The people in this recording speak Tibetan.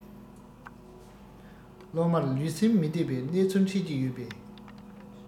སློབ མར ལུས སེམས མི བདེ བའི གནས ཚུལ འཕྲད ཀྱི ཡོད པས